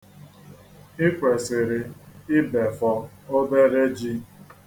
I kwesịrị ibefọ obere ji.